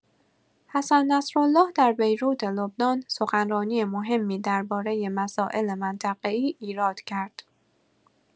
حسن نصرالله در بیروت لبنان سخنرانی مهمی درباره مسائل منطقه‌ای ایراد کرد.